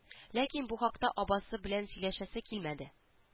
Ләкин бу хакта абасы белән сөйләшәсе килмәде